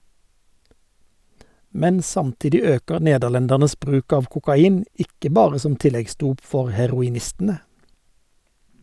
Men samtidig øker nederlendernes bruk av kokain, ikke bare som tilleggsdop for heroinistene.